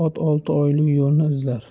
ot olti oylik yo'lni izlar